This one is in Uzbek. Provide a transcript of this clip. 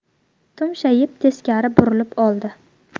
tumshayib teskari burilib oldi